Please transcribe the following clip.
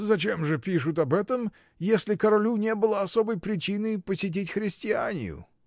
— Зачем же пишут об этом, если королю не было особой причины посетить Христианию?.